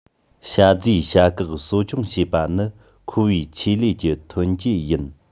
བྱ རྫིས བྱ གག གསོ སྐྱོང བྱེད པ ནི ཁོ པའི ཆེད ལས ཀྱི ཐོན སྐྱེད ཡིན